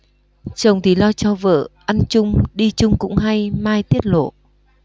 chồng thì lo cho vợ ăn chung đi chung cũng hay mai tiết lộ